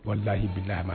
Wallahi billahi a ma